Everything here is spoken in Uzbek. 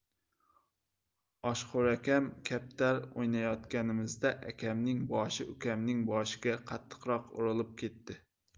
oshxo'rakam kaptar o'ynayotganimizda akamning boshi ukamning boshiga qattiqroq urilib ketdi